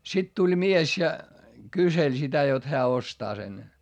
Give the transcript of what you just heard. sitten tuli mies ja kyseli sitä jotta hän ostaa sen